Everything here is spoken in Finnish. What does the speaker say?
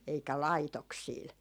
eikä laitoksilla